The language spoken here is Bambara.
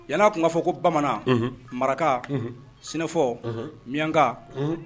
Yan'a tun ka fɔ ko bamanan, unhun, maraka, unhun, sɛnɛfɔ, unhun, miyanka, unhun